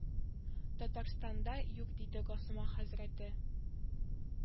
Татарстанда юк диде госман хәзрәт